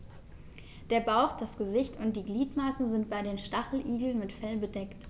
Der Bauch, das Gesicht und die Gliedmaßen sind bei den Stacheligeln mit Fell bedeckt.